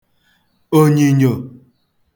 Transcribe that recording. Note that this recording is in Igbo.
ònyìnyò